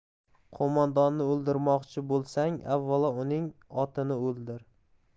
qo'mondonni o'ldirmoqchi bo'lsang avvalo uning otini o'ldir